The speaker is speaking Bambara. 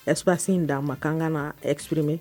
Es sin d'a ma k kanan ka na esurrime